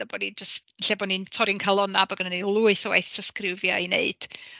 A bod ni jyst... yn lle bod ni'n torri'n calonnau bod gennyn ni lwyth o waith trawsgrifio i wneud.